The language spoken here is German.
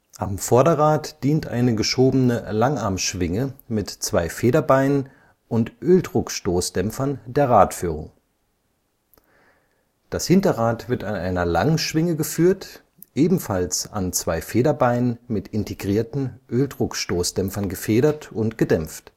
Am Vorderrad dient eine geschobene Langarmschwinge mit zwei Federbeinen und Öldruckstoßdämpfern der Radführung. Das Hinterrad wird an einer Langschwinge geführt, ebenfalls an zwei Federbeinen mit integrierten Öldruckstoßdämpfern gefedert und gedämpft